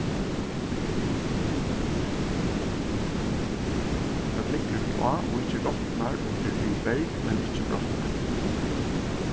hvat liggur í á og ikki rotnar og fer fyri berg men ikki brotnar